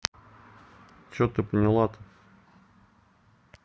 что ты поняла то